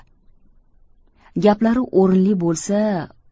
gaplari o'rinli bo'lsa